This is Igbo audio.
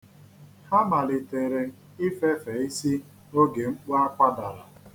Ha malitere ifefe isi oge mkpu akwa dara.